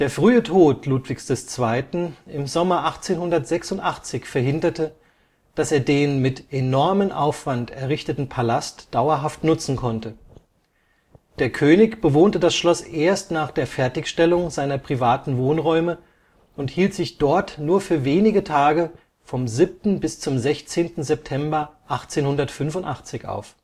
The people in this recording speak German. frühe Tod Ludwigs II. im Sommer 1886 verhinderte, dass er den mit enormem Aufwand errichteten Palast dauerhaft nutzen konnte. Der König bewohnte das Schloss erst nach der Fertigstellung seiner privaten Wohnräume und hielt sich dort nur für wenige Tage vom 7. bis zum 16. September 1885 auf